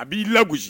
A b'i lag